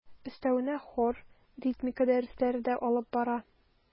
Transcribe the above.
Өстәвенә хор, ритмика дәресләре дә алып бара.